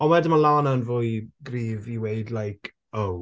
Ond wedyn mae Lana yn fwy gryf i weud like, "Oh".